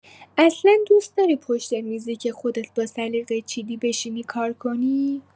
اصلا دوست‌داری پشت میزی که خودت با سلیقه چیدی بشینی کار کنی؟